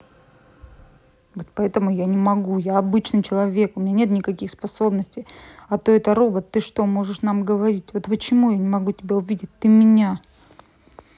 вот поэтому я не могу я обычный человек у меня нет никаких способностей а то это робот ты то можешь нам говорить вот почему я не могу тебя увидеть ты меня